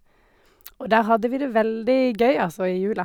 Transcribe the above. Og der hadde vi det veldig gøy, altså, i jula.